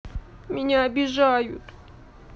меня обижают